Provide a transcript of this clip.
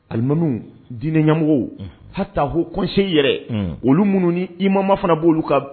Ali dinɛ ɲamɔgɔ hata h kosi yɛrɛ olu minnu ni i mama fana'olu kan